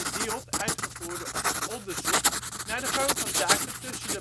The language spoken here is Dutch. NIOD) uitgevoerd onderzoek naar de gang van zaken tussen